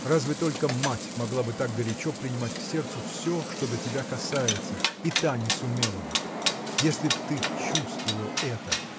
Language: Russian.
Разве только мать могла бы так горячо принимать к сердцу все что до тебя касается и та не сумела бы. Если б ты чувствовал это